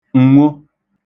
ǹnwo